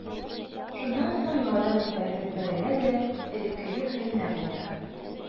Шуннан соң яңадан күтәрелеп бәрелә дә элеккеге хәленә кайта.